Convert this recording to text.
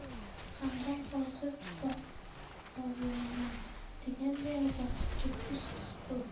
hamdam hozir boplayman deganday zohidga ko'z qisib qo'ydi